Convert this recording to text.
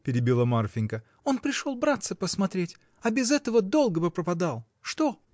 — перебила Марфинька, — он пришел братца посмотреть, а без этого долго бы пропадал! Что?